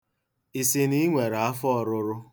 Ị sị na i nwere afọ ọrụrụ?